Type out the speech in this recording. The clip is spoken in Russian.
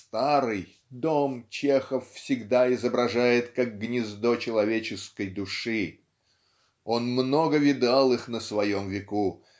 старый" дом Чехов всегда изображает как гнездо человеческой души (он "много видал их на своем веку